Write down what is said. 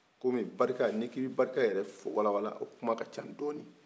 barika ne ko e bɛ barika yɛrɛ walawala o gkuman ka ca dɔɔni